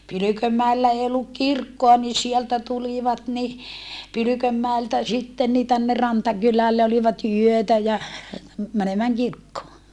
Pylkönmäellä ei ollut kirkkoa niin sieltä tulivat niin Pylkönmäeltä sitten niin tänne Rantakylälle olivat yötä ja menemään kirkkoon